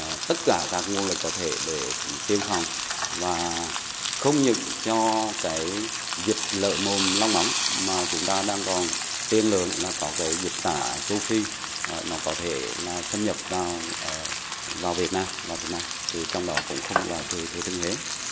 tất cả các nguồn lực có thể để tiêm phòng và không những cho cái dịch lở mồm long móng mà chúng ta đang còn tiên lượng là có cái dịch tả châu phi nó có thể là xâm nhập vào ờ vào việt nam và việt nam thì trong đó cũng không loại trừ thừa thiên huế